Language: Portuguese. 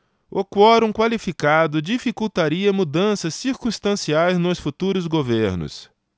o quorum qualificado dificultaria mudanças circunstanciais nos futuros governos